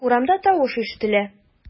Урамда тавыш ишетелә.